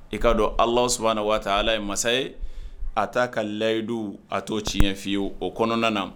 I ka dɔn alasu waati ala ye masa ye a' ka layidu a' tiɲɛɲɛ'iye o kɔnɔna na